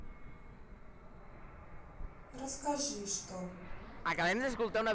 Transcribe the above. расскажи что